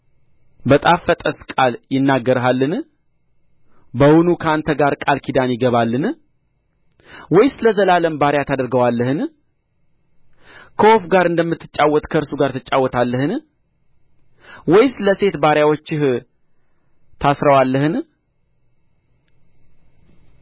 በጣፈጠስ ቃል ይናገርሃልን በውኑ ከአንተ ጋር ቃል ኪዳን ይገባልን ወይስ ለዘላለም ባሪያ ታደርገዋለህን ከወፍ ጋር እንደምትጫወት ከእርሱ ጋር ትጫወታለህን ወይስ ለሴት ባሪያዎችህ ታስረዋለህን